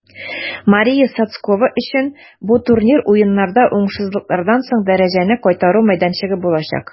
Мария Сотскова өчен бу турнир Уеннарда уңышсызлыклардан соң дәрәҗәне кайтару мәйданчыгы булачак.